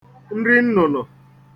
nri nnụnụ